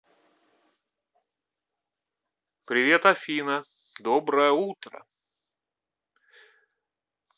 привет афина доброе утро